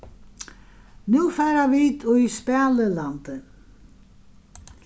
nú fara vit í spælilandið